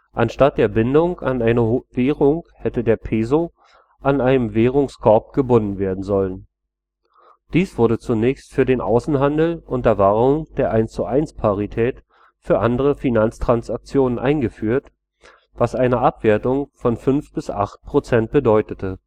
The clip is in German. Anstatt der Bindung an eine Währung hätte der Peso an einen Währungskorb gebunden werden sollen. Dies wurde zunächst für den Außenhandel unter Wahrung der 1:1-Parität für andere Finanztransaktionen eingeführt, was eine Abwertung von 5-8 % bedeutete